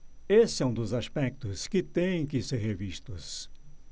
esse é um dos aspectos que têm que ser revistos